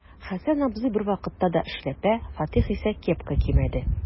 Хәсән абзый бервакытта да эшләпә, Фатих исә кепка кимәде.